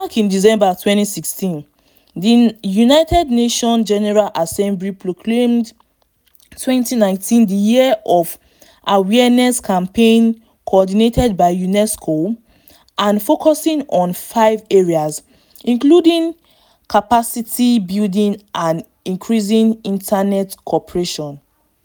Back in December 2016, the United Nations General Assembly proclaimed 2019 the year for an awareness campaign coordinated by UNESCO and focusing on five areas, including capacity building and increasing international cooperation.